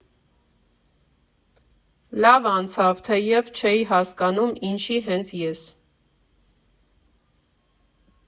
Լավ անցավ, թեև չէի հասկանում՝ ինչի հենց ես։